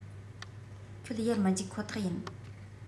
ཁྱོད ཡར མི འཇུག ཁོ ཐག ཡིན